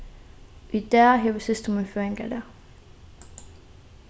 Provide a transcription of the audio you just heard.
í dag hevur systir mín føðingardag